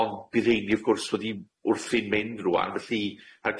ond bydd rheini wrth gwrs wedi wrthi'n mynd rŵan felly ar